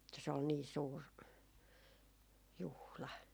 että se oli niin suuri juhla